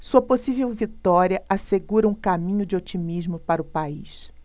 sua possível vitória assegura um caminho de otimismo para o país